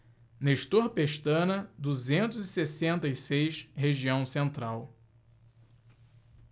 nestor pestana duzentos e sessenta e seis região central